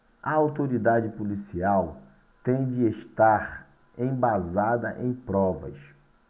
a autoridade policial tem de estar embasada em provas